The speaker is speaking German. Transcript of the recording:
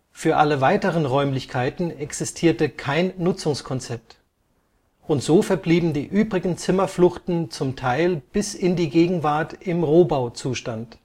Für alle weiteren Räumlichkeiten existierte kein Nutzungskonzept, und so verblieben die übrigen Zimmerfluchten zum Teil bis in die Gegenwart im Rohbauzustand